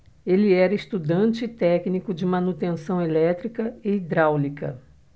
ele era estudante e técnico de manutenção elétrica e hidráulica